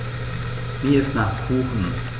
Mir ist nach Kuchen.